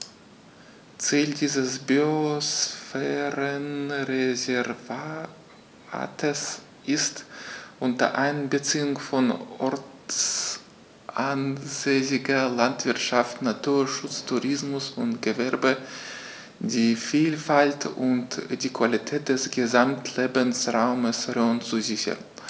Ziel dieses Biosphärenreservates ist, unter Einbeziehung von ortsansässiger Landwirtschaft, Naturschutz, Tourismus und Gewerbe die Vielfalt und die Qualität des Gesamtlebensraumes Rhön zu sichern.